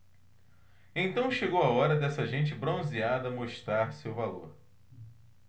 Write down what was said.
então chegou a hora desta gente bronzeada mostrar seu valor